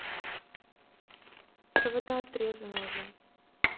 провода отрезаны уже